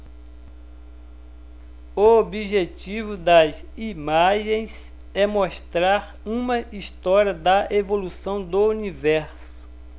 o objetivo das imagens é mostrar uma história da evolução do universo